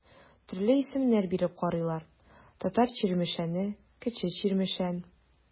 Төрле исемнәр биреп карыйлар: Татар Чирмешәне, Кече Чирмешән.